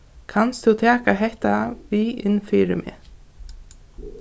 kanst tú taka hetta við inn fyri meg